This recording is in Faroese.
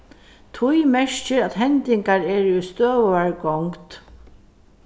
tíð merkir at hendingar eru í støðugari gongd